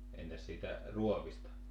entäs siitä ruodista